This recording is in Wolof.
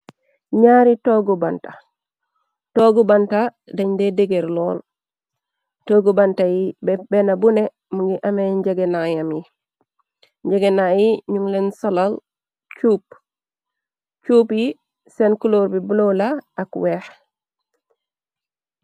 N'aari toggu banta toogu banta dañ de degeer lool toggu banta yi benn bune mu ngi amee njegenayam yi njegena yi ñun leen solol cuup cuup yi seen culoor bi bloola ak weex.